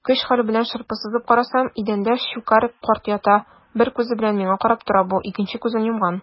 Көч-хәл белән шырпы сызып карасам - идәндә Щукарь карт ята, бер күзе белән миңа карап тора бу, икенче күзен йомган.